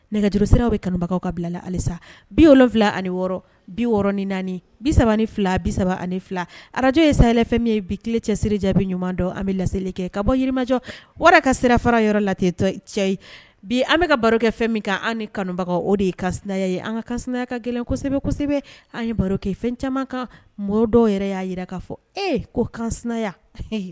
Nɛgɛjurusiraw bɛ kanubagaw ka bilala halisa bi wolonwula ani wɔɔrɔ biɔrɔn ni naani bi3 ni fila bisa ani fila arajo ye sayayɛlɛn fɛn min ye bi tilele cɛsiri jaabi ɲuman don an bɛ laselili kɛ ka bɔ yirimajɔ wari ka sira fara yɔrɔ la cɛ ye bi an bɛka ka baro kɛ fɛn min kan an ni kanubagaw o de ye ka ye an kaya ka gɛlɛn kosɛbɛsɛbɛ an baro kɛ fɛn caman kan mɔgɔw dɔw yɛrɛ y'a jira k kaa fɔ e ko ka